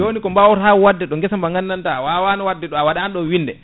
joni ko bawata wadde ɗo guessa ba gandanta awawano wadde ɗo awaɗano winde